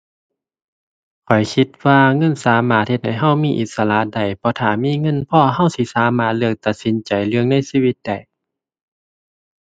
ข้อยคิดว่าเงินสามารถเฮ็ดให้เรามีอิสระได้ เพราะถ้ามีเงินพอเราสิสามารถเลือกตัดสินใจเรื่องในชีวิตได้